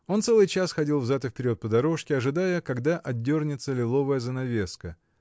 Он целый час ходил взад и вперед по дорожке, ожидая, когда отдернется лиловая занавеска.